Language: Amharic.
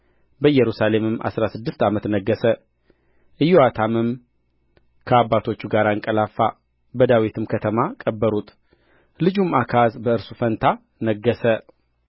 በኢየሩሳሌምም አሥራ ስድስት ዓመት ነገሠ ኢዮአታምም ከአባቶቹ ጋር አንቀላፋ በዳዊትም ከተማ ቀበሩት ልጁም አካዝ በእርሱ ፋንታ ነገሠ